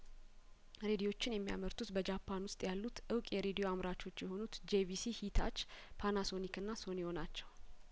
ሬዲዮችን የሚያመርቱት በጃፓን ውስጥ ያሉት እውቅ የሬድዮ አምራቾች የሆኑት ጄቪ ሲሂታች ፓናሶኒክና ሶኒዮ ናቸው